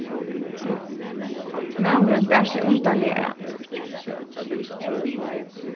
maðurin bar seg undarliga at